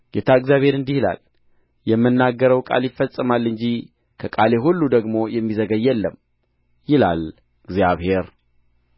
ጌታ እግዚአብሔር እንዲህ ይላል የምናገረው ቃል ይፈጸማል እንጂ ከቃሌ ሁሉ ደግሞ የሚዘገይ የለም ይላል እግዚአብሔር